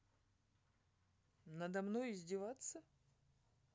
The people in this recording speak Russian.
надо мной издеваться